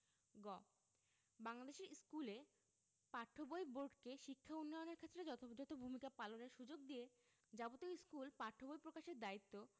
গ বাংলাদেশের স্কুলে পাঠ্য বই বোর্ডকে শিক্ষা উন্নয়নের ক্ষেত্রে যথাযথ ভূমিকা পালনের সুযোগ দিয়ে যাবতীয় স্কুল পাঠ্য বই প্রকাশের দায়িত্ব